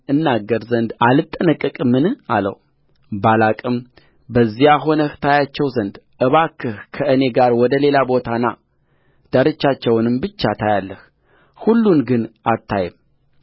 እናገር ዘንድ አልጠነቀቅምን አለውባላቅም በዚያ ሆነህ ታያቸው ዘንድ እባክህ ከእኔ ጋር ወደ ሌላ ቦታ ና ዳርቻቸውንም ብቻ ታያለህ ሁሉን ግን አታይም